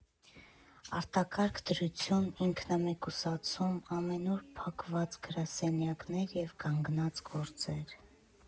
Արտակարգ դրություն, ինքնամեկուսացում, ամենուր փակված գրասենյակներ և կանգնած գործեր։